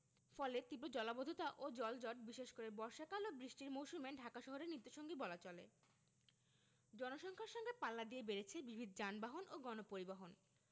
ফলে তীব্র জলাবদ্ধতা ও জলজট বিশেষ করে বর্ষাকাল ও বৃষ্টির মৌসুমে ঢাকা শহরের নিত্যসঙ্গী বলা চলে জনসংখ্যার সঙ্গে পাল্লা দিয়ে বেড়েছে বিবিধ যানবাহন ও গণপরিবহন